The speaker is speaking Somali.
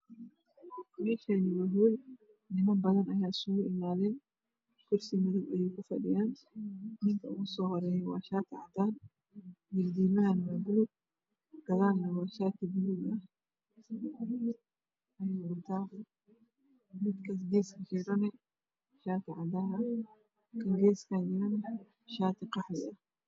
Meeshaani waa hool niman badan ayaa iskugu imaaday kursi madow ayay kufadhiyaan ninka ugu soo horeeyo waa shaati cadaan diildiilmahana waa buluug gadaana waa shaati buluug ah ayay wadataan. Midka geeskaas xegana waa shaati cadaan ah, midka geeskaan xegana waa shaati qaxwi ah.